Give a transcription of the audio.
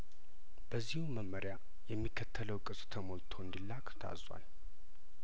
በዚሁ መመሪያ የሚከተለው ቅጽ ተሞልቶ እንዲላክ ታዟል